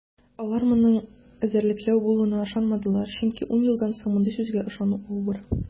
Алар моның эзәрлекләү булуына ышанмадылар, чөнки ун елдан соң мондый сүзгә ышану авыр.